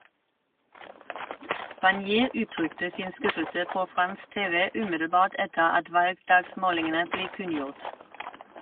Barnier uttrykte sin skuffelse på fransk TV umiddelbart etter at valgdagsmålingene ble kunngjort.